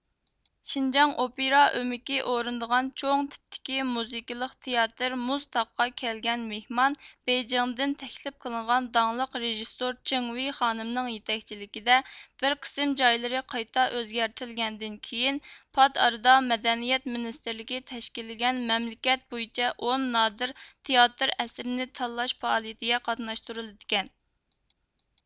شىنجاڭ ئوپېرا ئۆمىكى ئورۇندىغان چوڭ تىپتىكى مۇزىكىلىق تىياتىر مۇز تاغقا كەلگەن مېھمان بېيجىڭدىن تەكلىپ قىلىنغان داڭلىق رىژېسسور چېڭۋېي خانىمنىڭ يېتەكچىلىكىدە بىر قىسىم جايلىرى قايتا ئۆزگەرتىلگەندىن كېيىن پات ئارىدا مەدەنىيەت مىنىستىرلىكى تەشكىللىگەن مەملىكەت بويىچە ئون نادىر تىياتىر ئەسىرىنى تاللاش پائالىيىتىگە قاتناشتۇرۇلىدىكەن